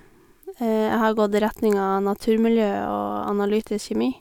Jeg har gått retninga naturmiljø og analytisk kjemi.